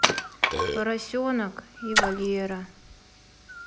поросенок и валера